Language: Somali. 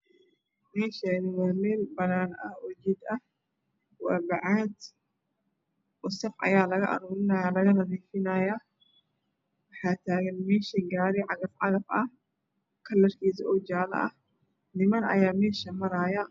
Meeshaan waa meel banaan ah oo jid ah waa bacaad wasaq ayaa laga aruurinaayaa waxaa taagan gaari cagaf cagaf ah kalarkiisu jaalo yahay niman ayaa meesha maraayo.